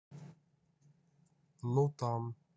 ну там